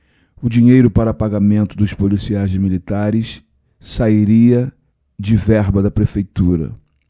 o dinheiro para pagamento dos policiais militares sairia de verba da prefeitura